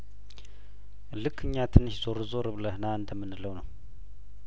ልክ እኛ ትንሽ ዞር ዞር ብለህና እንደምን ለው ነው